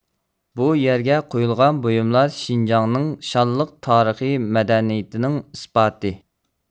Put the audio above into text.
بۇ يەرگە قويۇلغان بويۇملار شىنجاڭنىڭ شانلىق تارىخى مەدەنىيىتىنىڭ ئىسپاتى